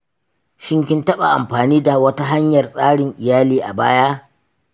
shin kin taɓa amfani da wata hanyar tsarin iyali a baya?